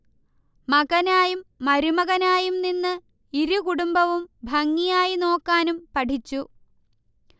മകനായും മരുമകനായും നിന്ന് ഇരു കുടുംബവും ഭംഗിയായി നോക്കാനും പഠിച്ചു